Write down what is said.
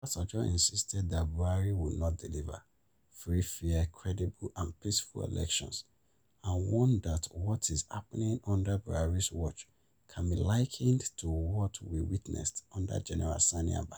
Obasanjo insisted that Buhari would not deliver "free, fair, credible and peaceful elections" and warned that what "is happening under Buhari’s watch can be likened to what we witnessed under Gen. Sani Abacha.